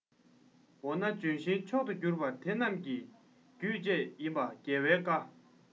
འོ ན ལྗོན ཤིང མཆོག ཏུ འགྱུར པ དེ རྣམས ཀྱི རྒྱུད བཅས ཡིན པ རྒྱལ བའི བཀའ